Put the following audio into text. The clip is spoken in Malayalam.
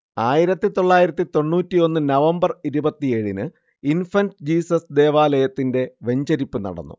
ആയിരത്തിതൊള്ളായിരത്തിത്തൊണ്ണൂറ്റിഒന്ന് നവംബർ ഇരുപത്തിയേഴിന് ഇൻഫന്റ് ജീസസ് ദേവാലയത്തിന്റെ വെഞ്ചരിപ്പ് നടന്നു